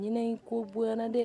Ɲina in ko bonyana dɛ!